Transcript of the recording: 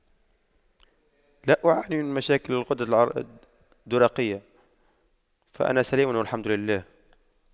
لا اعاني من مشاكل الغدد الدرقية فأنا سليم والحمد لله